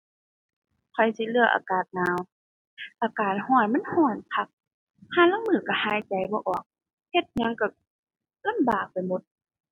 ข้อยสิเลือกอากาศหนาว อากาศร้อนมันร้อนคัก ห่าลางมื้อร้อนหายใจบ่ออก เฮ็ดหยังร้อนลำบากไปหมด